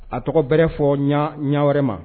A tɔgɔ gɛrɛ fɔ ɲa , ɲa wɛrɛ ma.